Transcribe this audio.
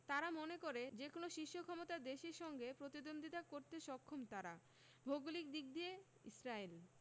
তারা মনে করে যেকোনো শীর্ষ ক্ষমতার দেশের সঙ্গে প্রতিদ্বন্দ্বিতা করতে সক্ষম তারা ভৌগোলিক দিক দিয়ে ইসরায়েল